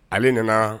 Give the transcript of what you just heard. Ale nana